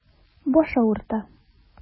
Баш авырта.